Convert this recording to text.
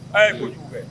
A ye koyi